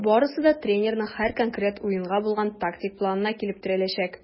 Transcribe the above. Барысы да тренерның һәр конкрет уенга булган тактик планына килеп терәләчәк.